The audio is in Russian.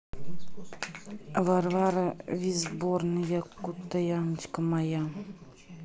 варвара визборн якутяночка моя